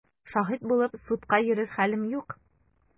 Шаһит булып судка йөрер хәлем юк!